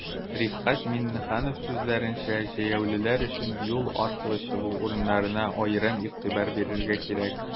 Рифкать Миңнеханов сүзләренчә, җәяүлеләр өчен юл аркылы чыгу урыннарына аерым игътибар бирергә кирәк.